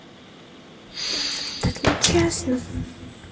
так нечестно